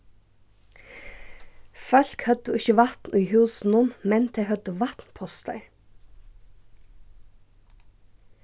fólk høvdu ikki vatn í húsunum men tey høvdu vatnpostar